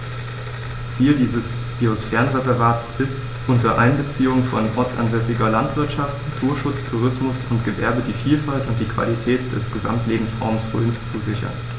Ziel dieses Biosphärenreservates ist, unter Einbeziehung von ortsansässiger Landwirtschaft, Naturschutz, Tourismus und Gewerbe die Vielfalt und die Qualität des Gesamtlebensraumes Rhön zu sichern.